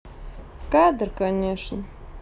кадр конечно